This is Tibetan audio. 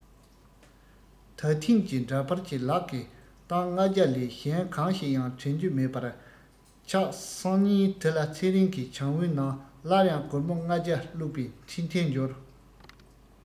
ད ཐེངས ཀྱི འདྲ པར གྱི ལག གི སྟངས ལྔ བརྒྱ ལས གཞན གང ཞིག ཡང དྲན རྒྱུ མེད པར ཆག སང ཉིན དེ ལ ཚེ རིང གི བྱང བུའི ནང སླར ཡང སྒོར མོ ལྔ བརྒྱ བླུག པའི འཕྲིན ཕྲན འབྱོར